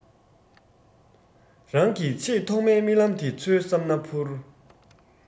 རང གི ཆེས ཐོག མའི རྨི ལམ དེ འཚོལ བསམ ན འཕུར